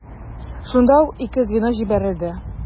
Шунда ук ике звено җибәрелде.